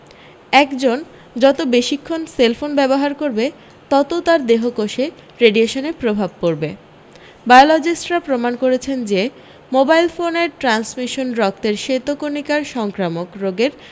একজন যত বেশিক্ষণ সেলফোন ব্যবহার করবে তত তার দেহকোষে রেডিয়েশনের প্রভাব পড়বে বায়োলজিস্টরা প্রমাণ পেয়েছেন যে মোবাইল ফোনের ট্র্যান্সমিশন রক্তের শ্বেতকণিকার সংক্রামক রোগের